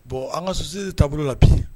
Bon an ka susi taabolo la bi